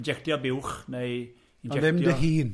Injectio buwch, neu injectio. O ddim dy hun.